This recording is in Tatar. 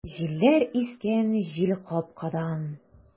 Җилләр искән җилкапкадан!